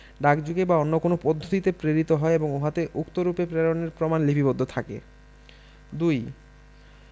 ডাকযোগে বা অন্য কোন পদ্ধতিতে প্রেরিত হয় এবং উহাতে উক্তরূপে প্রেরণের প্রমাণ লিপিবদ্ধ থাকে ২